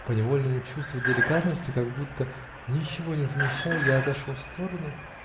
По невольному чувству деликатности, как будто ничего не замечая, я отошел в сторону